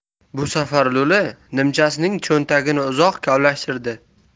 bu safar lo'li nimchasining cho'ntagini uzoq kavlashtirdi